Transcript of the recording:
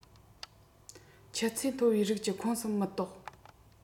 ཆུ ཚད མཐོ བའི རིགས གྱི ཁོངས སུ མི གཏོགས